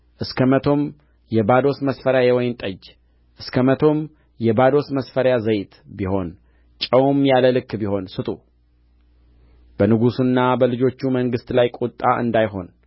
እስከ መቶም የባዶስ መስፈሪያ ዘይት ቢሆን ጨውም ያለ ልክ ቢሆን ስጡ በንጉሡና በልጆቹ መንግሥት ላይ ቍጣ እንዳይሆን